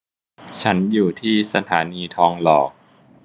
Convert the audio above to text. ฉันอยู่ที่สถานีทองหล่อ